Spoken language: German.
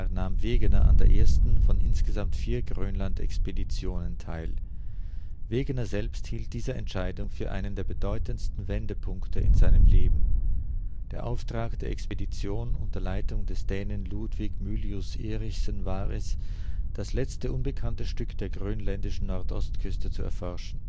nahm Wegener an der ersten von insgesamt vier Grönland-Expeditionen teil. Wegener selbst hielt diese Entscheidung für einen der bedeutendsten Wendepunkte in seinem Leben. Der Auftrag der Expedition unter Leitung des Dänen Ludvig Mylius-Erichsen war es, das letzte unbekannte Stück der grönländischen Nordostküste zu erforschen